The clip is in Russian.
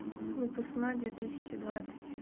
выпускной две тысячи двадцать